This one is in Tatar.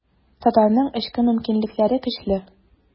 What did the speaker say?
Татарның эчке мөмкинлекләре көчле.